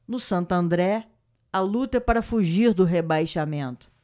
no santo andré a luta é para fugir do rebaixamento